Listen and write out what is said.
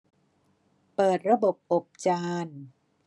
เปิดระบบอบจาน